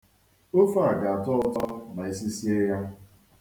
Ofe a ga-atọ ụtọ ma e sisie ya.